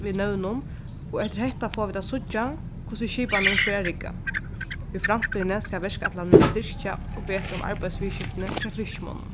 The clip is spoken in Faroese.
við nøvnum og eftir hetta fáa vit at síggja hvussu skipanin fer at rigga í framtíðini skal verkætlanin styrkja og betra um arbeiðsviðurskiftini hjá fiskimonnunum